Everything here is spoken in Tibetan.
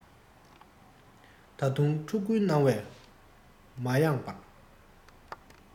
མཁས པ ཡིན ན དོན གྱི རྡོ ཁ སྒྲིལ